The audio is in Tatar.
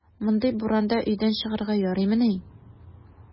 Мондый буранда өйдән чыгарга ярыймыни!